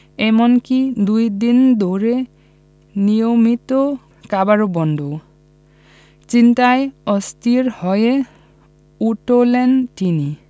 এমনকি দুই দিন ধরে নিয়মিত খাবারও বন্ধ চিন্তায় অস্থির হয়ে উঠলেন তিনি